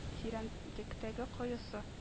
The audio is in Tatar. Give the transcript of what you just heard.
Тирән лектәге коесы